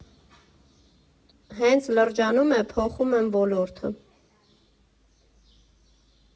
Հենց լրջանում է, փոխում եմ ոլորտը։